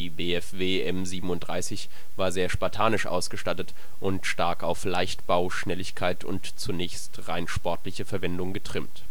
BFW M 37 war sehr spartanisch ausgestattet und stark auf Leichtbau, Schnelligkeit und zunächst rein sportliche Verwendung getrimmt